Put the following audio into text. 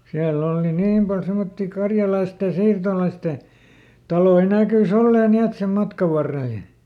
siellä on - niin paljon semmoisia karjalaisten siirtolaisten taloja näkyi olleen niin että sen matkan varrella ja